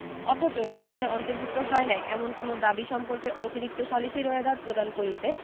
অথচ রোয়েদাদে অন্তর্ভুক্ত হয় নাই এমন কোন দাবী সম্পর্কে অতিরিক্ত সালিসী রোয়েদাদ প্রদান করিতে